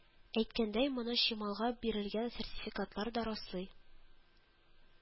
Әйткәндәй, моны чималга бирелгән сертификатлар да раслый